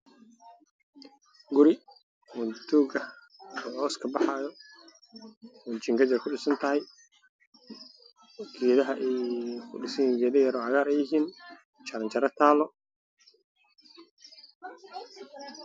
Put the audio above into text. Waa meel ay geedo cagaaran ka baxayaan